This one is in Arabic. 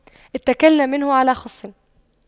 اتَّكَلْنا منه على خُصٍّ